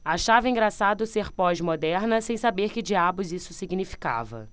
achava engraçado ser pós-moderna sem saber que diabos isso significava